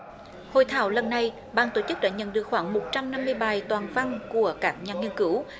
hội thảo lần này ban tổ chức đã nhận được khoảng một trăm năm mươi bài toàn văn của các nhà nghiên cứu